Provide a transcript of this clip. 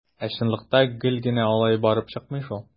Ә чынлыкта гел генә алай барып чыкмый шул.